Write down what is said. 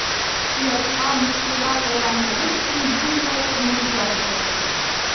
Оятка, мыскылга калган Калиткин бу юлы могҗиза күрсәтте.